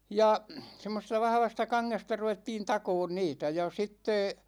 ja semmoisesta vahvasta kangesta ruvettiin takomaan niitä ja sitten